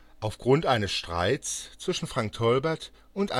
Aufgrund eines Streits zwischen Frank Tolbert und